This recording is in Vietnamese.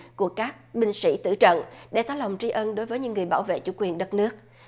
của các binh sĩ tử trận để tỏ lòng tri ân đối với những người bảo vệ chủ quyền đất nước